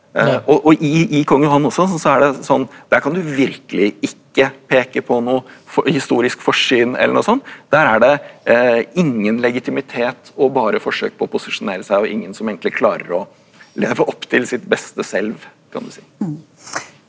og og i i i kong Johan også så er det sånn der kan du virkelig ikke peke på noe historisk forsyn eller noe sånn, der er det ingen legitimitet og bare forsøk på å posisjonere seg og ingen som egentlig klarer å leve opp til sitt beste selv kan du si.